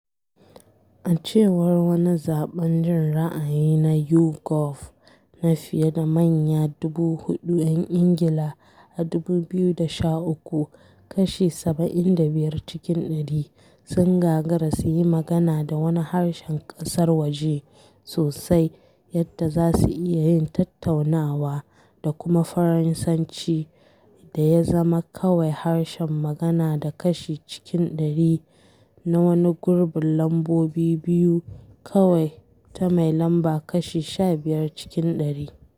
A cewar wani zaɓen jin ra’ayi na YouGov na fiye da manya 4,000 ‘yan Ingila a 2013, kashi 75 cikin ɗari sun gagara su yi magana da wani harshen ƙasar waje sosai yadda za su iya yin tattaunawa da kuma Faransanci da ya zama kawai harshen magana da kashi cikin ɗari na wani gurbin lambobi biyu kawai ta mai lamba, kashi 15 cikin ɗari.